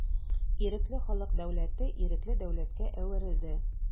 Ирекле халык дәүләте ирекле дәүләткә әверелде.